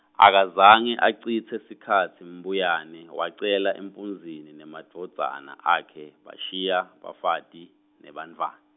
akazange acitse sikhatsi Mbuyane wacela empunzini nemadvodzana akhe bashiya bafati nebantfwana.